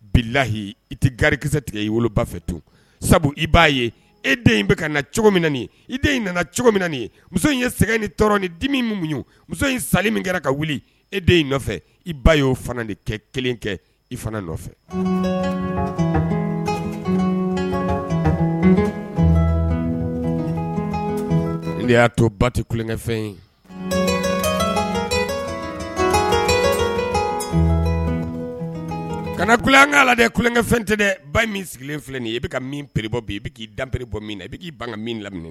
Bihi i tɛ garikisɛsɛ tigɛ i wolo ba fɛ tun sabu i b'a ye e den in bɛ ka cogomin i den in nana cogomin nin muso in ye sɛgɛn ni tɔɔrɔ ni dimi ye muso in sali min kɛra ka wuli e den in nɔfɛ i ba y'o fana de kɛ kelen kɛ i fana nɔfɛ ne de y'a to ba tɛ kukɛfɛn ye kana kulankan la dɛ kukɛfɛn tɛ dɛ ba min sigilen filɛ nin i bɛ ka minpere bɔ i bɛ k'i dapere bɔ min na i bɛ' ii ka min laminɛ